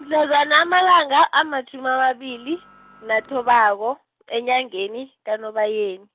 mahlazana amalanga, amatjhumi amabili, nathobako, enyangeni, kaNobayeni.